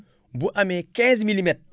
bu amee 15 milimètre